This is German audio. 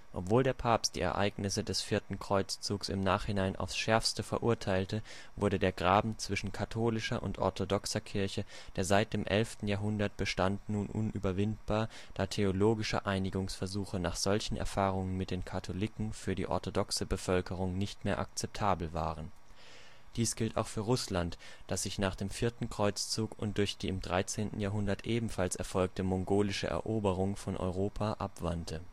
Obwohl der Papst die Ereignisse des Vierten Kreuzzugs im Nachhinein auf schärfste verurteilte, wurde der Graben zwischen katholischer und orthodoxer Kirche, der seit dem 11. Jahrhundert bestand, nun unüberwindbar, da theologische Einigungsversuche nach solchen Erfahrungen mit den Katholiken, für die orthodoxe Bevölkerung nicht mehr akzeptabel waren. Dies gilt auch für Russland, das sich nach dem Vierten Kreuzzug und durch die im 13. Jahrhundert ebenfalls erfolgte mongolische Eroberung von Europa abwandte